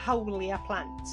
hawlia' plant.